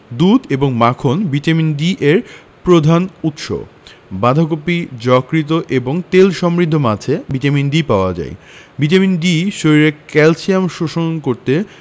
দুধ এবং মাখন ভিটামিন D এর প্রধান উৎস বাঁধাকপি যকৃৎ এবং তেল সমৃদ্ধ মাছে ভিটামিন D পাওয়া যায় ভিটামিন D শরীরে ক্যালসিয়াম শোষণ করতে